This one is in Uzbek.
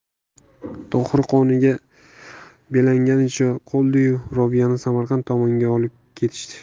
tohir qoniga belanganicha qoldi yu robiyani samarqand tomonga olib ketishdi